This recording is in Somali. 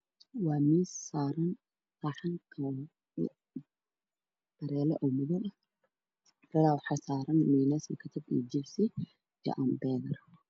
Waa miis waxaa saaran koobab caddaan waxaa kaloo saaran jibsi iska waa caddaan